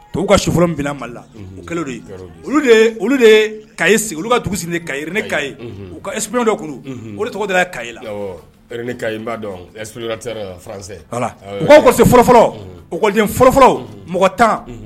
To ka suforo bilama la o kɛlen de ka sigi olu ka dugu sigi ka ne ka ye u ka olu de tɔgɔ de kala dɔn use fɔlɔ fɔlɔ u kɔni fɔlɔ fɔlɔ mɔgɔ tan